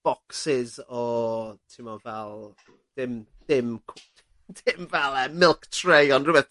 bocsys o t'mo' fel dim ddim cw- dim fel yy Milk Tray ond rwbeth